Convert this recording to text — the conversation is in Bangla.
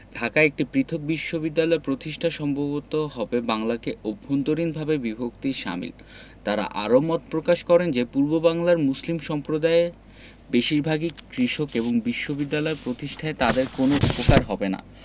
ঢাকায় একটি পৃথক বিশ্ববিদ্যালয় প্রতিষ্ঠা সম্ভবত হবে বাংলাকে অভ্যন্তরীণভাবে বিভক্তির শামিল তাঁরা আরও মত প্রকাশ করেন যে পূর্ববাংলার মুসলিম সম্প্রদায় বেশির ভাগই কৃষক এবং বিশ্ববিদ্যালয় প্রতিষ্ঠায় তাদের কোনো উপকার হবে না